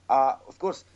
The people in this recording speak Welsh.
A wrth gwrs